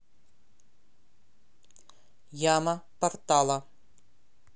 яма портала